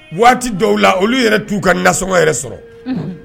Waati dɔw la olu yɛrɛ t'u ka nassɔngɔ yɛrɛ sɔrɔ